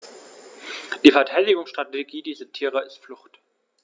Die Verteidigungsstrategie dieser Tiere ist Flucht.